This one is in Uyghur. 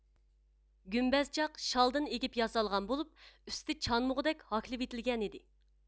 گۈمبەزچاق شالدىن ئېگىپ ياسالغان بولۇپ ئۈستى چانمىغۇدەك ھاكلىۋېتىلگەنىدى